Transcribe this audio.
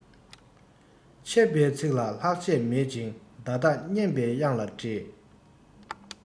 འཆད པའི ཚིག ལ ལྷག ཆད མེད ཅིང བརྡ དག སྙན པའི དབྱངས ལ འདྲེས